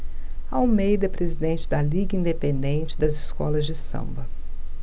almeida é presidente da liga independente das escolas de samba